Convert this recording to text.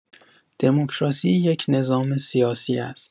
دموکراسی یک نظام سیاسی است.